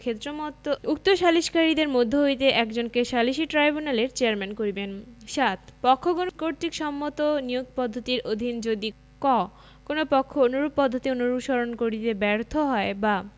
ক্ষেত্রমত উক্ত সালিসকারীদের মধ্য হইতে একজনকে সালিসী ট্রাইব্যুনালের চেযারম্যান নিয়োগ করিবেন ৭ পক্ষগণ কর্তৃক সম্মত নিয়োগ পদ্ধতির অধীন যদি ক কোন পক্ষ অনুরূপ পদ্ধতি অনুসরণ করিতে ব্যর্থ হয় বা